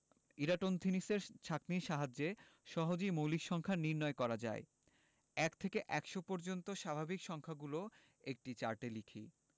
ইরাটোন্থিনিসের ছাঁকনির সাহায্যে সহজেই মৌলিক সংখ্যা নির্ণয় করা যায় ১ থেকে ১০০ পর্যন্ত স্বাভাবিক সংখ্যাগুলো একটি চার্টে লিখি